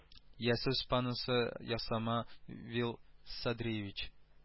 Йә сүз паносы ясама вил садриевич